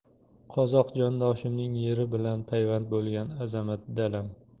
qozoq jondoshimning yeri bilan payvand bo'lgan azamat dalam